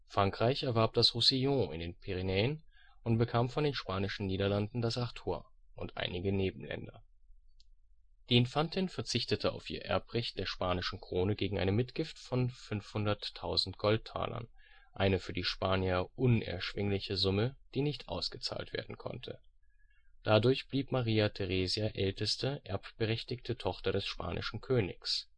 Frankreich erwarb das Roussillon in den Pyrenäen und bekam von den Spanischen Niederlanden das Artois und einige Nebenländer. Die Infantin verzichtete auf ihr Erbrecht der spanischen Krone gegen eine Mitgift von 500.000 Goldtalern, eine für die Spanier unerschwingliche Summe, die nicht ausgezahlt werden konnte. Dadurch blieb Maria Teresia älteste, erbberechtigte Tochter des spanischen Königs